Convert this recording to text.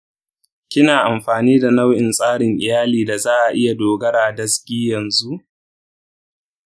kina amfani da nau'in tsarin iyali da za'a iya dogaro dasgi yanzu?